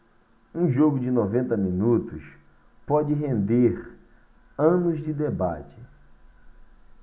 um jogo de noventa minutos pode render anos de debate